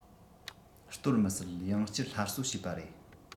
གཏོར མི སྲིད ཡང བསྐྱར སླར གསོ བྱས པ རེད